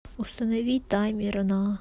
установи таймер на